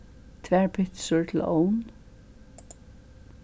tvær pitsur til ovn